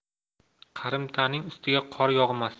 qarimtaning ustiga qor yog'mas